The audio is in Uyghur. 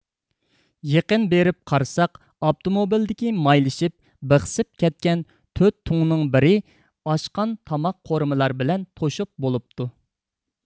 يېقىن بېرىپ قارىساق ئاپتوموبىلدىكى مايلىشىپ بېقسىپ كەتكەن تۆت تۇڭنىڭ بىرى ئاشقان تاماق قورۇمىلار بىلەن توشۇپ بولۇپتۇ